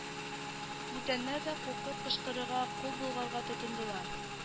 Бүтәннәр дә куркып кычкырырга кул болгарга тотындылар